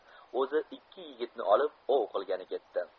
o'zi ikki yigitni olib ov qilgani ketdi